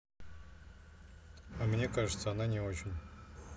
а мне кажется она не очень